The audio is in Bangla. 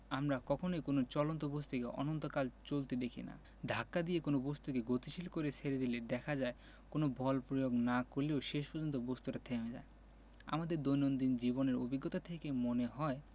আমরা কখনোই কোনো চলন্ত বস্তুকে অনন্তকাল চলতে দেখি না ধাক্কা দিয়ে কোনো বস্তুকে গতিশীল করে ছেড়ে দিলেও দেখা যায় কোনো বল প্রয়োগ না করলেও শেষ পর্যন্ত বস্তুটা থেমে যায় আমাদের দৈনন্দিন জীবনের অভিজ্ঞতা থেকে মনে হয়